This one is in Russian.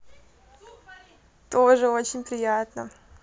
тоже очень приятно